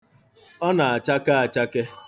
Ọ na-acheke achake.